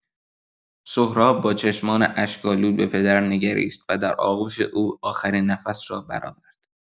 سهراب، با چشمان اشک‌آلود به پدر نگریست، و در آغوش او، آخرین نفس را برآورد.